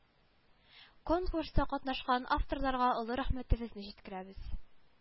Конкурста катнашкан авторларга олы рәхмәтебезне җиткерәбез